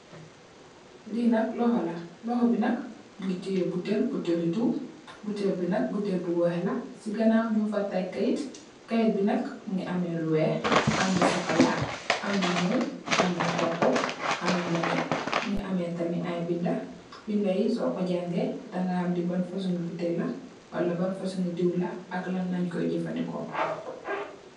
Lee nak lohou la lohou be nak muge teye butel butele deew butel be nak butel bu weex la se ganaw nug fa tay keyet keyet be nak muge ameh lu weex am lu sukola am lu nuul am lu xonxo am lu neteh muge ameh tamin aye beda beda ye soku jange daga ham le ban fosunge butel la wala ban fosunge deew la ak lanlenkoye jufaneku.